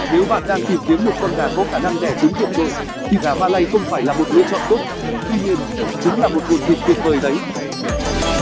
nếu bạn đang tìm kiếm một con gà có khả năng đẻ trứng vượt trội thì gà malay không phải là một lựa chọn tốt tuy nhiên chúng là một nguồn thịt tuyệt vời đấy